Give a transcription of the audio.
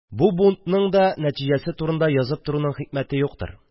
. бу бунтның да нәтиҗәсе турында язып торуның хикмәте юктыр: